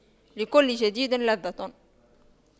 لكل جديد لذة